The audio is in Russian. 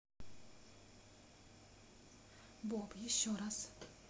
bob еще раз